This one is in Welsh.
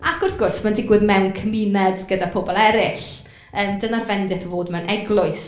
Ac wrth gwrs mae'n digwydd mewn cymuned gyda pobl eraill , yym dyna'r fendith o fod mewn eglwys.